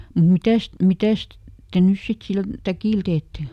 niin mitäs mitäs te nyt sitten sillä täkillä teette